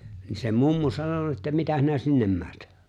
niin se mummo sanonut että mitä sinä sinne menet